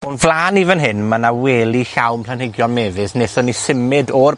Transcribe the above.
O'n flan i fan hyn ma' 'na wely llawn planhigion mefus nethon ni symud o'r